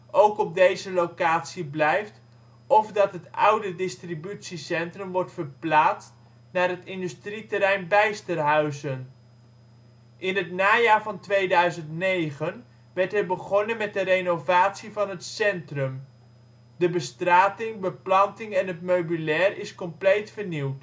ook op deze locatie blijft of dat het oude distributiecentrum wordt verplaatst naar het industrieterrein Bijsterhuizen. In het najaar van 2009 werd er begonnen met de renovatie van het centrum. De bestrating, beplanting en het meubileur is compleet vernieuwd